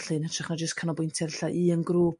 felly yn hytrach na jyst canolbwyntio ar 'lle un grŵp.